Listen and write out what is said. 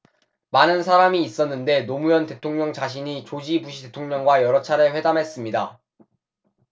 많은 사람이 있었는데 노무현 대통령 자신이 조지 부시 대통령과 여러 차례 회담했습니다